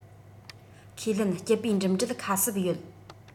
ཁས ལེན སྤྱི པའི འགྲིམ འགྲུལ ཁ གསབ ཡོད